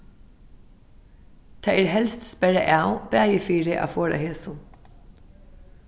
tað er helst sperrað av bæði fyri at forða hesum